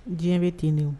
Diɲɛ be ten de.